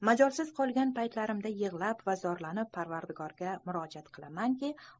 majolsiz qolgan paytlarimda yig'lab va zorlanib parvardigorga munojot qilamanki